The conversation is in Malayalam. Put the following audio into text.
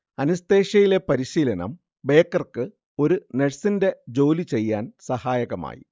അനസ്തേഷ്യയിലെ പരിശീലനം ബേക്കർക്ക് ഒരു നഴ്സിന്റെ ജോലി ചെയ്യാൻ സഹായകമായി